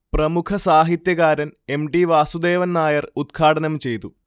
പ്രമുഖസാഹിത്യകാരൻ M. T. Vasudevan Nair ഉദ്ഘാടനം ചെയ്തു